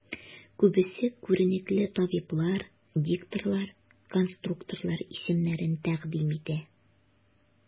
Күбесе күренекле табиблар, дикторлар, конструкторлар исемнәрен тәкъдим итә.